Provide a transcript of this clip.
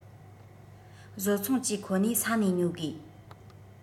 བཟོ ཚོང ཅུས ཁོ ནའི ས ནས ཉོ དགོས